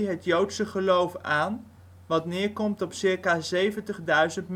het joodse geloof aan, wat neerkomt op ca. 70.000 mensen